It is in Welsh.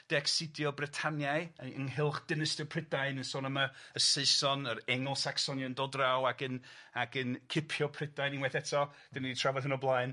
Decsidio Britaniai yy ynghylch dinistr Prydain yn sôn am y y Saeson, yr Engl Sacson yn dod draw ac yn ac yn cipio Prydain unwaith eto 'dan 'di ni trafod hyn o blaen.